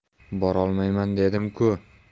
borolmayman dedim ku